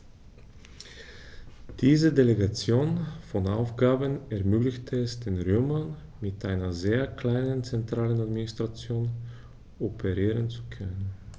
Diese Delegation von Aufgaben ermöglichte es den Römern, mit einer sehr kleinen zentralen Administration operieren zu können.